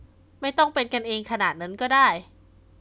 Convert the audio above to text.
ไม่ต้องเป็นกันเองขนาดนั้นก็ได้